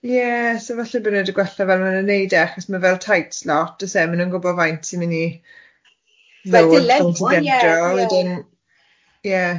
Ie so falle bod nhw di gwella fel maen nhw'n wneud e achos ma' fel tight slot does e maen nhw'n gwbo faint sy'n mynd i ddod fel... Dilyn tŷ ddendro. ...wedyn ie.